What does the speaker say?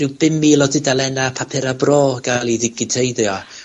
ryw bum mil o dudalena papura' bro ga'l 'u ddigiteiddio,